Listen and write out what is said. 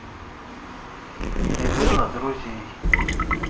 елена друзей